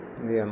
ndiyam